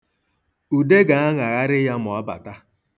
Ude ga-aṅagharị ya ma ọ bata.